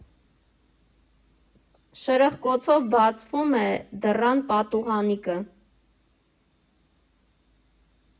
Շրխկոցով բացվում է դռան պատուհանիկը։